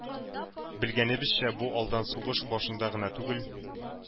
Белгәнебезчә, бу алдану сугыш башында гына түгел,